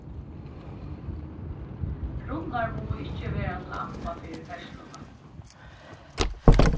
runnar mugu ikki vera til ampa fyri ferðsluna